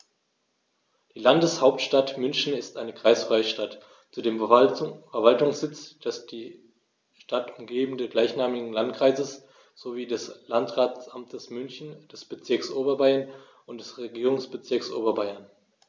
Die Landeshauptstadt München ist eine kreisfreie Stadt, zudem Verwaltungssitz des die Stadt umgebenden gleichnamigen Landkreises sowie des Landratsamtes München, des Bezirks Oberbayern und des Regierungsbezirks Oberbayern.